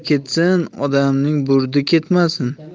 ketsin odamning burdi ketmasin